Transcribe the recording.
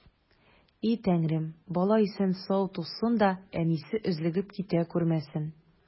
И Тәңрем, бала исән-сау тусын да, әнисе өзлегеп китә күрмәсен!